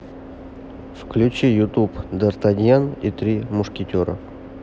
включи ютуб дартаньян и три мушкетера